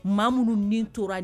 Maa minnu ni tora in